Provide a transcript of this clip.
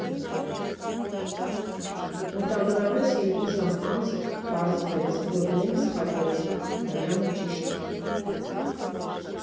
Մոտավորապես երկու ժամ անց պարզվեց, որ մենք սխալվեցինք, Մարիամը ճիշտ էր։